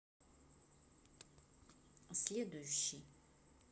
следующий